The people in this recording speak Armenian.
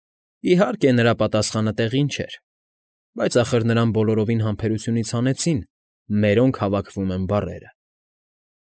Իհարկե, նրա պատասխանը տեղին չէր, բայց, ախր, նրան բոլորովին համբերույթունից հանեցին «մերոնք հավաքվում են» բառերը։